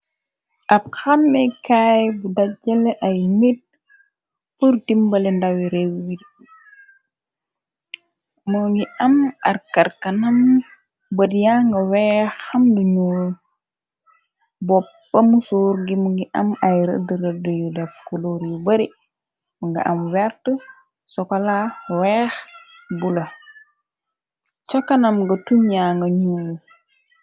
Ab xamekaay bu dajjale ay mit purtimbale ndawi réi moo ngi am arkarkanam bëd yanga weex xam lu ñu boppamusour gi mu ngi am ay rëdd rëdd yu def kulor yu bari nga am wert sokola weex bu la co kanam ga tuna nga ñuu.